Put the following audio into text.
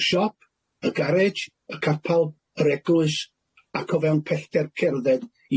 y shop, y garej, y capal, yr eglwys ac o fewn pellter cerdded